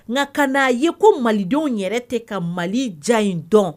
Nka ka na ye ko malidenw yɛrɛ tɛ ka mali ja in dɔn.